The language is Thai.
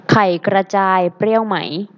ไข่กระจายเปรี้ยวไหม